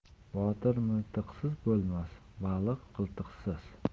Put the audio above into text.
botir miltiqsiz bo'lmas baliq qiltiqsiz